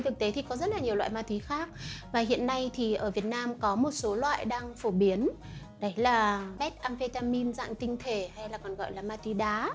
trên thực tế thì có rất là nhiều loại ma túy khác và hiện nay thì ở việt nam có một số loại đang phổ biến đấy là methamphetamin dạng tinh thể hay là ma túy đá